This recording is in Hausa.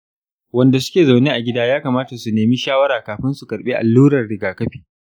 wanda suke zaune a gida yakamata su nemi shawara kafin su karɓi allurar rigakafi..